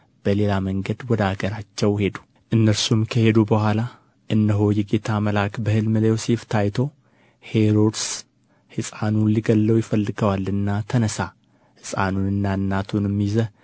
በሌላ መንገድ ወደ አገራቸው ሄዱ እነርሱም ከሄዱ በኋላ እነሆ የጌታ መልአክ በሕልም ለዮሴፍ ታይቶ ሄሮድስ ሕፃኑን ሊገድለው ይፈልገዋልና ተነሣ ሕፃኑንና እናቱንም ይዘህ